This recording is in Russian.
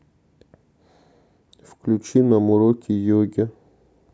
включи нам уроки йоги